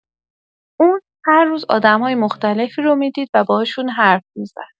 اون هر روز آدم‌های مختلفی رو می‌دید و باهاشون حرف می‌زد.